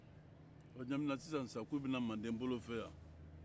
bɔn ɲamina sisan sa k'u bɛ na mande bolo fɛ